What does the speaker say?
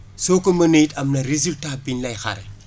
soo ko mené it am na résultat bién lay xaare